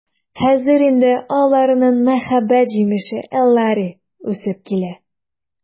Хәзер инде аларның мәхәббәт җимеше Эллари үсеп килә.